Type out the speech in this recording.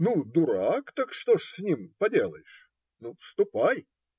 Ну, дурак, так что же с ним поделаешь?. Ну, ступай.